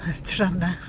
Na, taranau!